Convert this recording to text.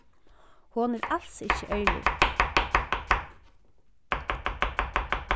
hon er als ikki ærlig